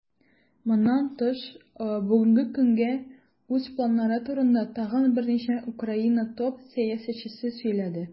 Моннан тыш, бүгенге көнгә үз планнары турында тагын берничә Украина топ-сәясәтчесе сөйләде.